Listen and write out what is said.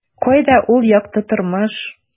Кайда ул - якты тормыш? ..